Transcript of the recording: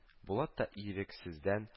Булат та ирексездән